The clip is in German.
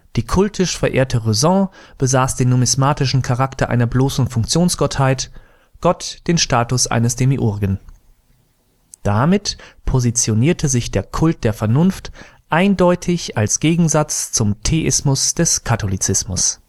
die kultisch verehrte Raison besaß den numismatischen Charakter einer bloßen Funktionsgottheit, Gott den Status eines Demiurgen. Damit positionierte sich der Kult der Vernunft eindeutig als Gegensatz zum Theismus des Katholizismus